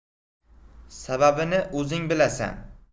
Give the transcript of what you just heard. sababini o'zing bilasan